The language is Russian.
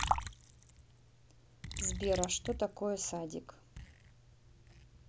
сбер а что такое садик